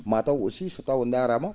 maa taw aussi so tawii ngu ndaaraama